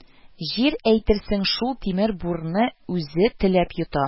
Җир әйтерсең шул тимер бурны үзе теләп йота